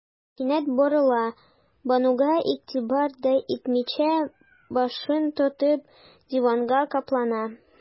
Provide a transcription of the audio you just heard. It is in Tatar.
Кинәт борыла, Бануга игътибар да итмичә, башын тотып, диванга каплана.